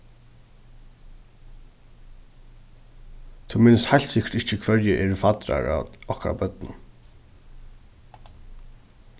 tú minnist heilt sikkurt ikki hvørji eru faddrar at okkara børnum